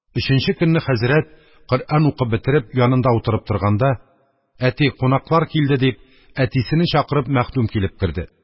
Өченче көнне хәзрәт, Коръән укып бетереп, янында утырып торганда: «Әти, кунаклар килде!» – дип, әтисене чакырып мәхдүм килеп керде.